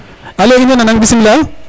alo in way nanang bismila